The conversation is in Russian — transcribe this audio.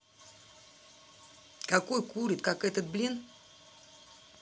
какой курит как это блин